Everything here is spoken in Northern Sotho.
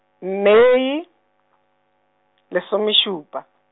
Mei, lesomešupa.